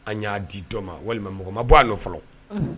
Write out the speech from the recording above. An ɲ'a di dɔ ma walima mɔgɔ ma bɔ a nɔ fɔlɔ unhun